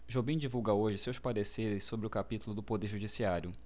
jobim divulga hoje seus pareceres sobre o capítulo do poder judiciário